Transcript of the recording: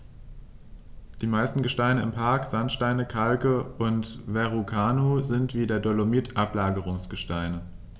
Die meisten Gesteine im Park – Sandsteine, Kalke und Verrucano – sind wie der Dolomit Ablagerungsgesteine.